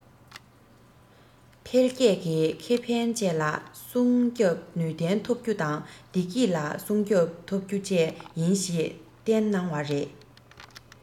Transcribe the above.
འཕེལ རྒྱས ཀྱི ཁེ ཕན བཅས ལ སྲུང སྐྱོབ ནུས ལྡན ཐུབ རྒྱུ དང བདེ སྐྱིད ལ སྲུང སྐྱོབ ཐུབ རྒྱུ བཅས ཡིན ཞེས བསྟན གནང བ རེད